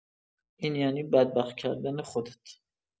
این یعنی بدبخت کردن خودت.